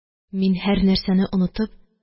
Мин, һәрнәрсәне онытып: